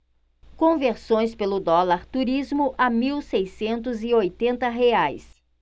conversões pelo dólar turismo a mil seiscentos e oitenta reais